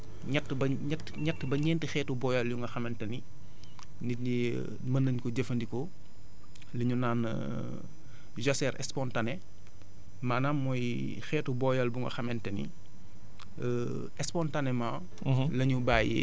am na xeetu ñett ba ñett ñett ba ñeenti xeetu booyal yu nga xamante ni nit ñi mën nañ ko jëfandikoo li ñu naan jachère spontannée maanaam mooy xeetu booyal bu nga xamante ni spontannément